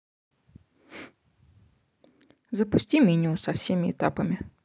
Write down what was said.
запусти меню со всеми этапами